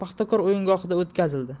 paxtakor o'yingohida o'tkazildi